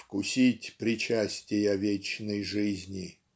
вкусить причастия вечной жизни".